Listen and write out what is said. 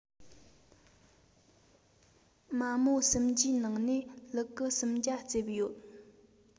མ མོ སུམ བརྒྟའི ནང ནས ལུ གུ སོམ བརྒྱ རྩེབས ཡོད